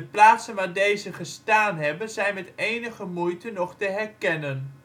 plaatsen waar deze gestaan hebben zijn met enige moeite nog te herkennen